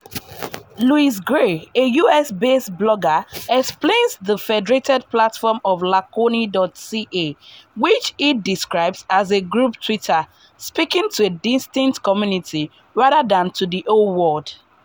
Louis Gray, a US-based blogger, explains the federated platform of Laconi.ca, which he describes as a “group Twitter” – speaking to a distinct community rather than to the whole world.